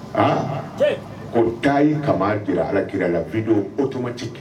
Aa ko taa' ka jira ala kira la bidon o tuma ci